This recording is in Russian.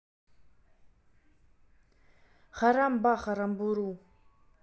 харам баха рамбуру